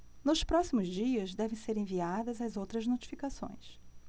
nos próximos dias devem ser enviadas as outras notificações